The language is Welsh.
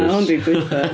Hwn 'di gwaetha.